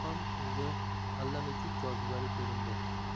ham unga allanechuk jozibali ko'rindi